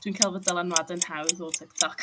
Dwi'n cael fy dylanwadu'n hawdd o TikTok!